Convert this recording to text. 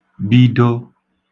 bido